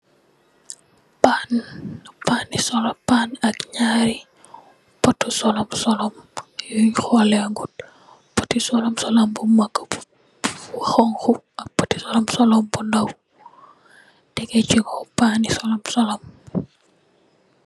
Pan, pani solum. Pan ak ñaari potu solum-solum yun holè gud. Poti solum-solum bu mag bu honku, ak poti solum-solum bu ndaw tégé ci kaw pani solum-solum.